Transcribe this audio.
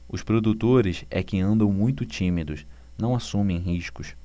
os produtores é que andam muito tímidos não assumem riscos